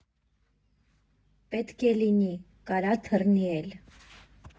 Պետք լինի՝ կարա թռնի էլ։